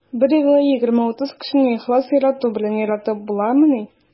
Берьюлы 20-30 кешене ихлас ярату белән яратып буламыни?